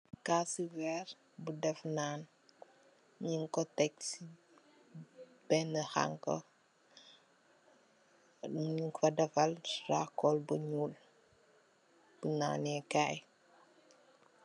Kassi wèèr bu def nan, ñing ko tèk ci benna xanxa, ñing ko defal raakol bu ñuul bu naane Kai.